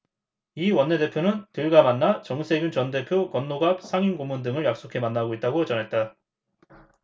이 원내대표는 들과 만나 정세균 전 대표 권노갑 상임고문 등을 약속해 만나고 있다고 전했다